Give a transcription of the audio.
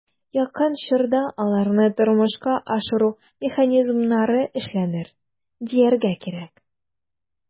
Якын чорда аларны тормышка ашыру механизмнары эшләнер, дияргә кирәк.